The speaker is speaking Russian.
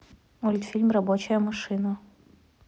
мультфильм рабочая машина